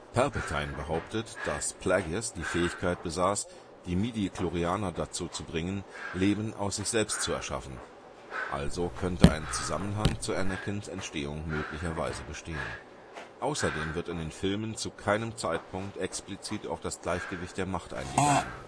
Palpatine behauptet, dass Plagueis die Fähigkeit besaß, die Midi-Chlorianer dazu zu bringen, Leben aus sich selbst zu erschaffen - also könnte ein Zusammenhang zu Anakins Entstehung möglicherweise bestehen. Außerdem wird in den Filmen zu keinem Zeitpunkt explizit auf das Gleichgewicht der Macht eingegangen